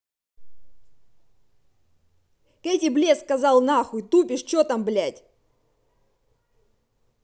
katy блеск казал нахуй тупишь че там блять